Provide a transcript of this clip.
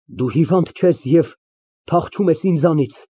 Դու հիվանդ չես և փախչում ես ինձանից։